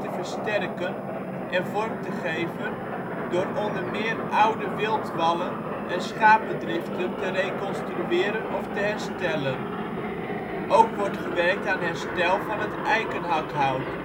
versterken en vorm te geven door onder meer oude wildwallen en schapendriften te reconstrueren of te herstellen. Ook wordt gewerkt aan herstel van het eikenhakhout